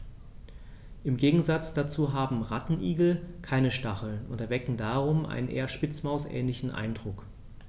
Im Gegensatz dazu haben Rattenigel keine Stacheln und erwecken darum einen eher Spitzmaus-ähnlichen Eindruck.